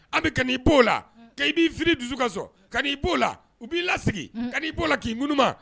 An bɛ kai'o la i b'i fili dusu ka kaio la i b'i lasigi ka'i la k'i ŋ